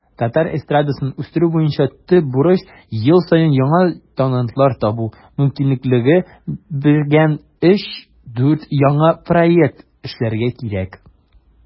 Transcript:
Татар эстрадасын үстерү буенча төп бурыч - ел саен яңа талантлар табу мөмкинлеге биргән 3-4 яңа проект эшләргә кирәк.